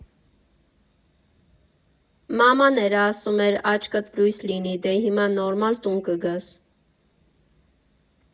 Մաման էր, ասում էր՝ աչքդ լույս լինի, դե հիմա նորմալ տուն կգաս։